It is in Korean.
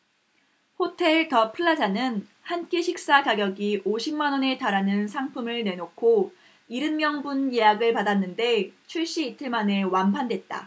호텔 더 플라자는 한 끼 식사 가격이 오십 만원에 달하는 상품을 내놓고 일흔 명분 예약을 받았는데 출시 이틀 만에 완판됐다